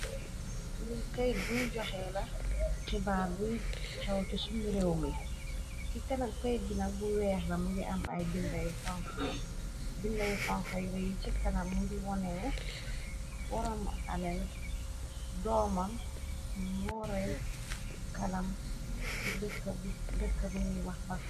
Ndi kayt buy joxee la xibaar buy xew cu su mi réew mi ci kanam kayt bina bu weex lam ngi am ay bindayu xonxay re yi ci kanam ngi wonene boram alel doomam moray kalam ci dëkka buñuy wax bakka.